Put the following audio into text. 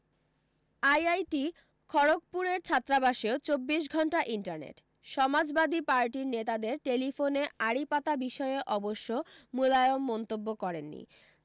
IIT খড়গপুরের ছাত্রাবাসেও চব্বিশ ঘণ্টা ইন্টারনেট সমাজবাদী পার্টির নেতাদের টেলিফোনে আড়ি পাতা বিষয়ে অবশ্য মুলায়ম মন্তব্য করেননি